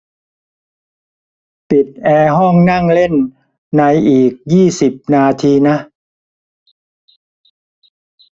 ปิดแอร์ห้องนั่งเล่นในอีกยี่สิบนาทีนะ